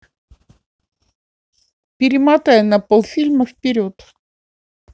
перемотай на полфильма вперед